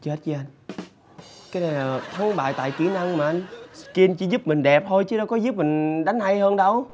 chết chứ anh cái này là thắng bại tại kĩ năng mà anh sờ kin chỉ giúp mình đẹp thôi chứ đâu giúp mình đánh hay hơn đâu